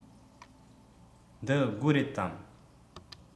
འདི སྒོ རེད དམ